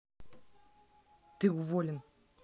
ты уволен